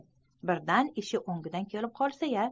birdan ishi o'ngidan kelib qolsa ya